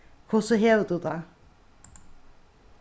hvussu hevur tú tað